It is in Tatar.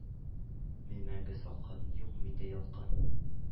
Мин мәңге салкын, юк миндә ялкын,